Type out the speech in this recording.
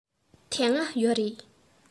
དེ སྔ ཡོད རེད